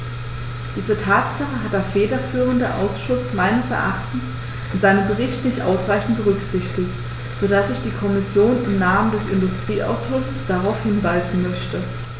Diese Tatsache hat der federführende Ausschuss meines Erachtens in seinem Bericht nicht ausreichend berücksichtigt, so dass ich die Kommission im Namen des Industrieausschusses darauf hinweisen möchte.